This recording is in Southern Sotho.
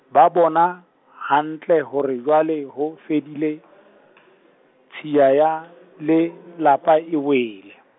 ba bona, hantle hore jwale ho fedile , tshiya ya, le lapa e wele.